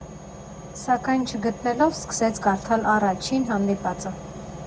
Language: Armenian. Սակայն չգտնելով, սկսեց կարդալ առաջին հանդիպածը.